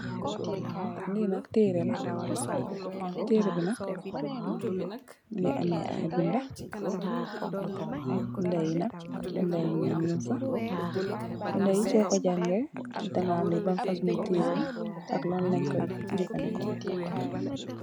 Li nak tereeh la, tereeh bi nak mungi ameh ay binda. Binda yi nak binda yu ñuul nung fa, binda soko jàngay daga ham li ban fasung ngi teereh la ak Lan leen koy jafadeko.